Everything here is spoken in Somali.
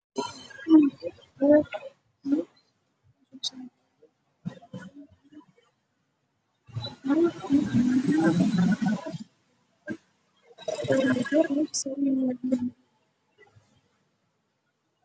Waa sadex qalin suni oo saaran roog cagaaran